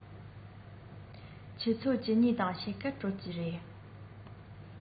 ཆུ ཚོད བཅུ གཉིས དང ཕྱེད ཀར གྲོལ གྱི རེད